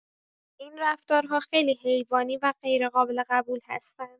این رفتارها خیلی حیوانی و غیرقابل قبول هستند.